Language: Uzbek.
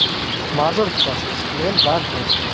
ma'zur tutasiz men bandman